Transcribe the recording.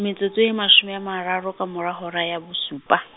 metsotso e mashome a mararo ka morao ho hora ya bosupa.